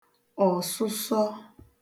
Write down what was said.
ọ̀sụsọ